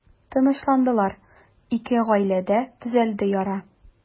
Тынычландылар, ике гаиләдә төзәлде яра.